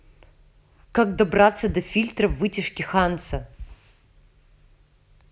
как добраться до фильтра в вытяжке ханса